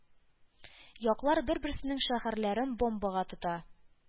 Яклар бер-берсенең шәһәрләрен бомбага тота,